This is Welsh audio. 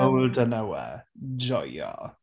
Golden hour. Joio.